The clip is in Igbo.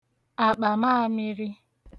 àkpàmaamịrị